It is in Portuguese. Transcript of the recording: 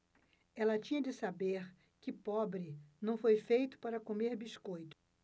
ela tinha de saber que pobre não foi feito para comer biscoito